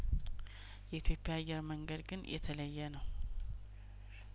የኢትዮጵያ አየር መንገድ ግን የተለየ ነው